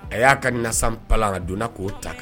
A ya ka na san palan a donna ko ta.